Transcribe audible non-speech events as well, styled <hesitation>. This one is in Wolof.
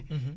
<hesitation> <hesitation>